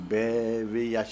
Bɛɛ bɛ yasi